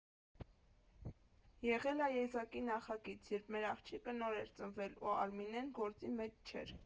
Եղել ա եզակի նախագիծ, երբ մեր աղջիկը նոր էր ծնվել ու Արմինեն գործի մեջ չէր։